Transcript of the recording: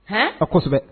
Hɛn a kosɛbɛ